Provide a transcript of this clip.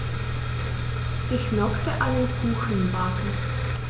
Ich möchte einen Kuchen backen.